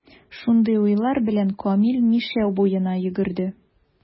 Шундый уйлар белән, Камил Мишә буена йөгерде.